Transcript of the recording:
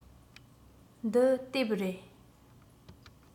འདི དེབ རེད